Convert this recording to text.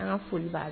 An ka foli b'